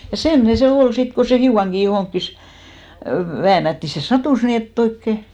ja semmoinen se oli sitten kun se hiukankin johonkin väännähti se sattui niin että oikein